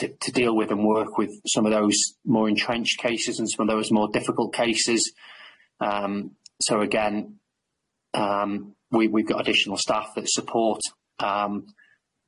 to to deal with and work with some of those more entrenched cases and some of those more difficult cases um so again um we we've got additional staff that support um,